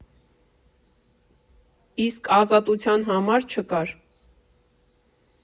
Իսկ ազատության համար չկար։